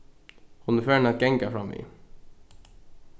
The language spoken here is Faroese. hon er farin at ganga framvið